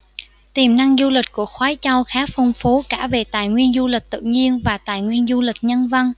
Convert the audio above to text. tiềm năng du lịch của khoái châu khá phong phú cả về tài nguyên du lịch tự nhiên và tài nguyên du lịch nhân văn